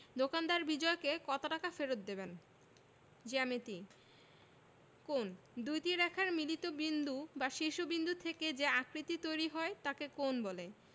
দোকানদার বিজয়কে কত টাকা ফেরত দেবেন জ্যামিতিঃ কোণঃ দুইটি রেখার মিলিত বিন্দু বা শীর্ষ বিন্দু থেকে যে আকৃতি তৈরি হয় তাকে কোণ বলে